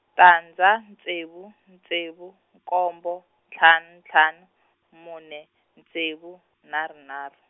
tandza ntsevu ntsevu nkombo ntlhanu ntlhanu, mune ntsevu nharhu nharhu.